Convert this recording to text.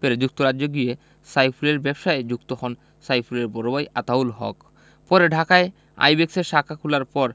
পেরে যুক্তরাজ্যে গিয়ে সাইফুলের ব্যবসায় যুক্ত হন সাইফুলের বড় ভাই আতাউল হক পরে ঢাকায় আইব্যাকসের শাখা খোলার পর